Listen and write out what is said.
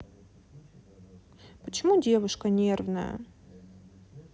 почему девушка нервная